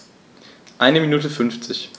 Eine Minute 50